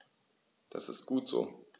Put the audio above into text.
Das ist gut so.